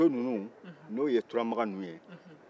donso ninnu n'o ye turamagan ninnu ye